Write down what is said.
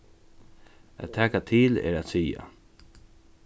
at taka til er at siga